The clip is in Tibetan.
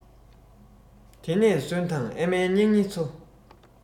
དེ ནས གསོན དང ཨ མའི སྙིང ཉེ ཚོ